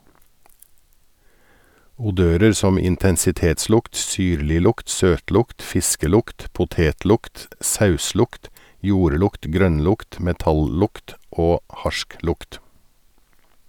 Odører som intensitetslukt, syrliglukt, søtlukt, fiskelukt, potetlukt, sauslukt, jordlukt, grønnlukt, metallukt og harsklukt.